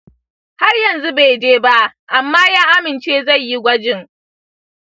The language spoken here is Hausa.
har yanzu bai je ba, amma ya amince zai yi gwajin.